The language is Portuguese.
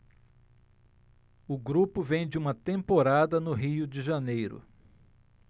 o grupo vem de uma temporada no rio de janeiro